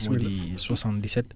mu di 77